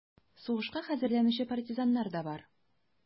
Сугышка хәзерләнүче партизаннар да бар: